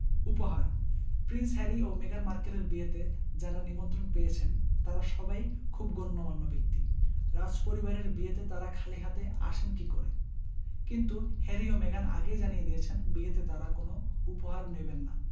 উপহার Prince Harry ও মেগান মার্কেলের বিয়েতে যাঁরা নিমন্ত্রণ পেয়েছেন তাঁরা সবাই খুব গণ্যমান্য ব্যক্তি রাজপরিবারের বিয়েতে তাঁরা খালি হাতে আসেন কী করে কিন্তু হ্যারি ও মেগান আগেই জানিয়ে দিয়েছেন বিয়েতে তাঁরা কোনো উপহার নেবেন না